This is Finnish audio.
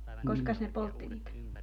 koskas ne poltti niitä